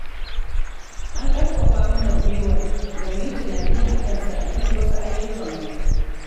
'An ƙarfafa mana gwiwar da mu yi tunani a kansa a duk wasu ayyukanmu''.